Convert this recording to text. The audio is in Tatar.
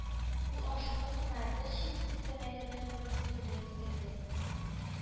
Ул, ашыгып кына, бер чеметем тәмәкене борын төбенә китерде